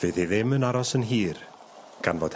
Fydd hi ddim yn aros yn hir gan fod...